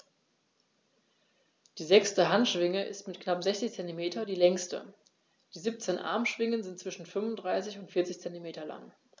Die sechste Handschwinge ist mit knapp 60 cm die längste. Die 17 Armschwingen sind zwischen 35 und 40 cm lang.